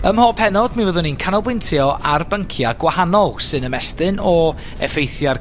Ym mhob penod mi fyddwn ni'n canolbwyntio ar byncia gwahanol sy'n ymestyn o effeithiau'r